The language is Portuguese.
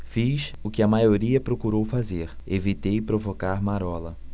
fiz o que a maioria procurou fazer evitei provocar marola